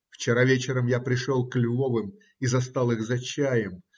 Вчера вечером я пришел к Львовым и застал их за чаем.